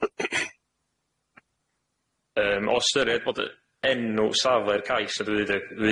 Yym o ystyried bod yy enw safle'r cais y dwyieidd-